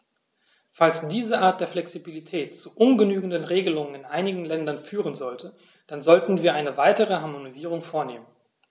Falls diese Art der Flexibilität zu ungenügenden Regelungen in einigen Ländern führen sollte, dann sollten wir eine weitere Harmonisierung vornehmen.